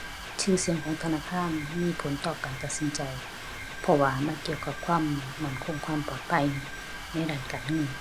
ชื่อเสียงของธนาคารมีผลต่อการตัดสินใจ เพราะว่ามันเกี่ยวกับความมั่นคง ความปลอดภัยในด้านการเงิน